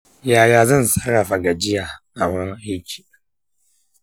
yaya zan sarrafa gajiya a wajen aiki?